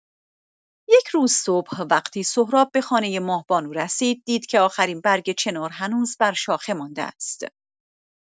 یک روز صبح، وقتی سهراب به خانه ماه‌بانو رسید، دید که آخرین برگ چنار هنوز بر شاخه مانده است.